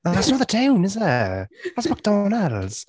That’s not the tune, is it? That’s McDonald's.